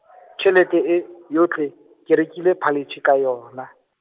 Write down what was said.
tšhelete e, yotlhe, ke rekile phaletšhe ka yona.